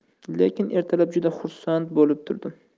lekin ertalab juda xursand bo'lib turdim